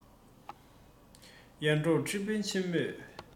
ཡར འབྲོག ཁྲི དཔོན ཆེན པོས